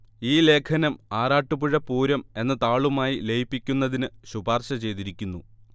ഈ ലേഖനം ആറാട്ടുപുഴ പൂരം എന്ന താളുമായി ലയിപ്പിക്കുന്നതിന് ശുപാർശ ചെയ്തിരിക്കുന്നു